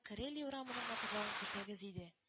Карелия урамының матурлыгын күрсәгез иде